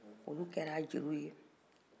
olu kɛra jeliw ye